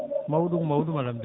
mawɗum mawɗum alhamdulillah